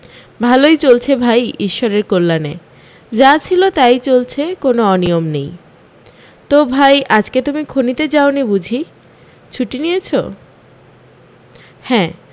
ভালই চলছে ভাই ঈশ্বর এর কল্যাণে যা ছিল তাই চলছে কোনো অনিয়ম নেই তো ভাই আজকে তুমি খনিতে যাওনি বুঝি ছুটি নিয়েছ হ্যাঁ